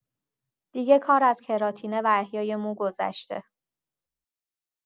دیگه کار از کراتینه و احیای مو گذشته.